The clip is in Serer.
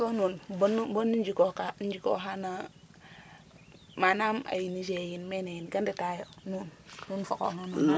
so nuun bonu njikooka njikooxa no manaam ak niger yiin mene yiin kan ndetaayo nuun fo qoox nuun?